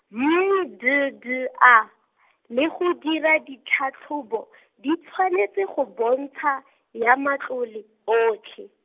M D D A, le go dira ditlhatlhobo , di tshwanetse go bontsha, ya matlole, otlhe.